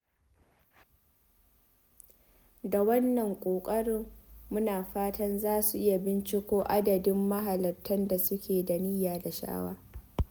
Da wannan ƙoƙarin, muna fatan za su iya binciko adadin mahalartan da suke da niyya da sha'awa.